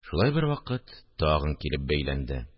Шулай бервакыт тагын килеп бәйләнде